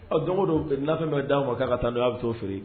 Ɔ don don nafɛn bɛ d'a ma k'a ka taa don a bɛ to feere